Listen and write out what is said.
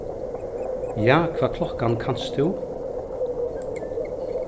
ja hvat klokkan kanst tú